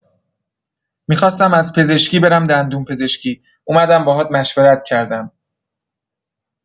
می‌خواستم از پزشکی برم دندونپزشکی، اومدم باهات مشورت کردم.